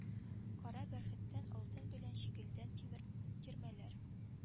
Кара бәрхеттән алтын белән чигелгән тирмәләр